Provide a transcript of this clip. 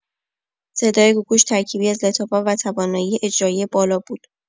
صدای گوگوش ترکیبی از لطافت و توانایی اجرایی بالا بود.